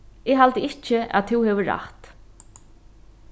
eg haldi ikki at tú hevur rætt